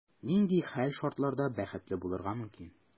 Нинди хәл-шартларда бәхетле булырга мөмкин?